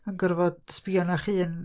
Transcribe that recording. Yn gorfod sbio arnach hun.